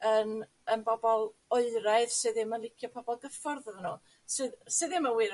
yn yn bobol oeraidd sy ddim yn licio pobol gyffwrdd arnyn nw sy sy ddim yn wir